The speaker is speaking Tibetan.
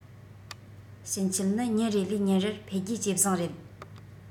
ཕྱིན ཆད ནི ཉིན རེ ལས ཉིན རེར འཕེལ རྒྱས ཇེ བཟང རེད